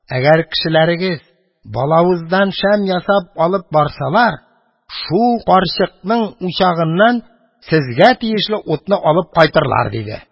Әгәр кешеләрегез балавыздан шәм ясап алып барсалар, шул карчыкның учагыннан сезгә тиешле утны алып кайтырлар, – диде.